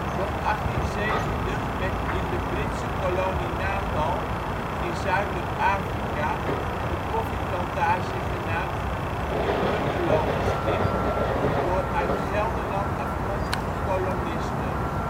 Rond 1870 werd in de Britse kolonie Natal in zuidelijk Afrika een koffieplantage genaamd (New) Hummelo gesticht door uit Gelderland afkomstige kolonisten